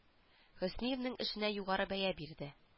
Хөсниевның эшенә югары бәя бирде